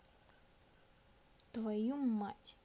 твою мать